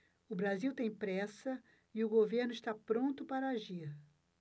o brasil tem pressa e o governo está pronto para agir